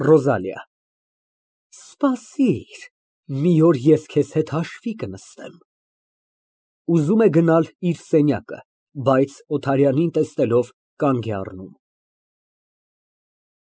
ՌՈԶԱԼԻԱ ֊ Սպասիր, մի օր ես քեզ հետ հաշվի կնստեմ։ (Ուզում է գնալ իր սենյակը, բայց Օթարյանին տեսնելով, կանգ է առնում)։